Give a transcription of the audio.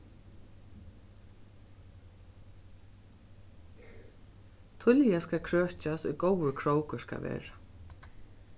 tíðliga skal krøkjast ið góður krókur skal verða